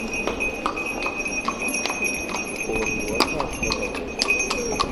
ปวดหัวแทบจะระเบิด